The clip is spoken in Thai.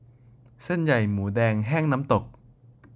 เส้นใหญ่หมูแดงแห้งน้ำตก